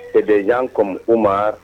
I bɛ yan ko u ma